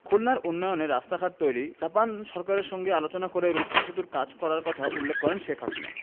খুলনার উন্নয়নে রাস্তাঘাট তৈরি জাপান সরকারের সঙ্গে আলোচনা করে রূপসা সেতুর কাজ করার কথা উল্লেখ করেন শেখ হাসিনা